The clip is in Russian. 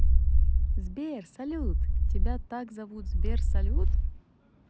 сбер салют тебя так зовут сбер салют